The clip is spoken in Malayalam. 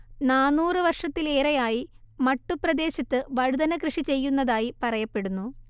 നാനൂറ് വർഷത്തിലേറെയായി മട്ടുപ്രദേശത്ത് വഴുതന കൃഷി ചെയ്യുന്നതായി പറയപ്പെടുന്നു